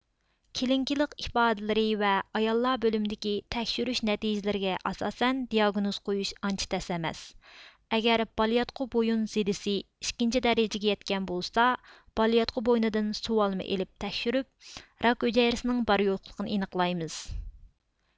كېلنىكلىق ئىپادىلىرى ۋە ئاياللار بۆلۈمىدىكى تەكشۈرۈش نەتىجىلىرىگە ئاساسەن دىئاگنوز قويۇش ئانچە تەس ئەمەس ئەگەر بالىياتقۇ بوينى زېدىسى ئىككىنچى دەرىجىگە يەتكەن بولسا بالىياتقۇ بوينىدىن سۇۋالما ئېلىپ تەكشۈرۈپ راك ھۈجەيرىنىڭ بار يوقلىغىنى ئېنىقلايمىز